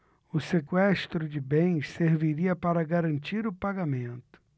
o sequestro de bens serviria para garantir o pagamento